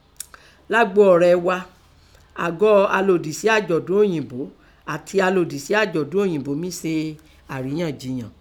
Lágbo ọ̀rẹ́ẹ gha, àgọ́ alòdìsí àjọ̀dún Òyìbó àti alòdìsí àjọ̀dún Òyìbó mí se àríyànjiyàn.